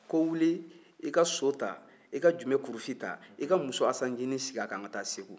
ko wuli i ka so ta i ka jubekurufin ta i ka n muso asan ncinin sigi a kan an ka taa segu